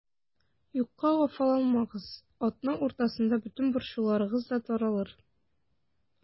Юкка хафаланмагыз, атна уртасында бөтен борчуларыгыз да таралыр.